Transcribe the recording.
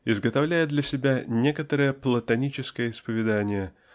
изготовляет для себя некоторое платоническое исповедание